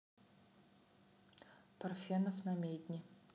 парфенов намедни